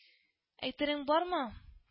Әйтерең бармы